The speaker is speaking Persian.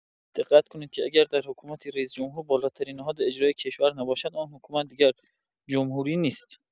دقت کنید که اگر در حکومتی رئیس‌جمهور بالاترین نهاد اجرایی کشور نباشد، آن حکومت دیگر جمهوری نیست.